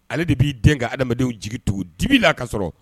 Ale de b'i den ka adamadamadenw jigi tugun dibi la ka sɔrɔ